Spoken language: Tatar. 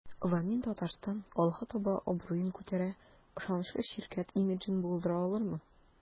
"вамин-татарстан” алга таба абруен күтәрә, ышанычлы ширкәт имиджын булдыра алырмы?